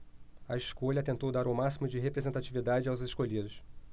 a escolha tentou dar o máximo de representatividade aos escolhidos